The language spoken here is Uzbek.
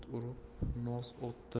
to'rt urib nos otdi